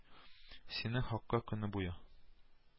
Синең хакка көне буе